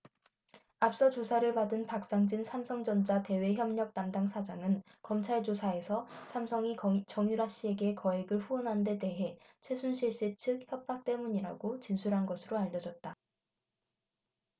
앞서 조사를 받은 박상진 삼성전자 대외협력담당 사장은 검찰조사에서 삼성이 정유라씨에게 거액을 후원한 데 대해 최순실씨 측 협박 때문이라고 진술한 것으로 알려졌다